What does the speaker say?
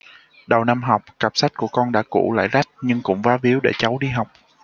đầu năm học cặp sách của con đã cũ lại rách nhưng cũng vá víu để cháu đi học